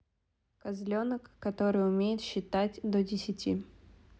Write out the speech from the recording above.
козленок который умеет считать до десяти